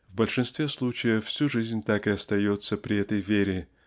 в большинстве случаев всю жизнь так и остается при этой вере